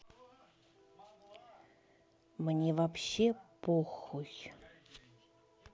мне вобще похуй